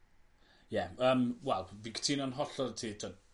Ie yym wel fi cytuno'n hollol ti t'od